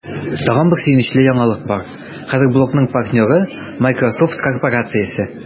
Тагын бер сөенечле яңалык бар: хәзер блогның партнеры – Miсrosoft корпорациясе!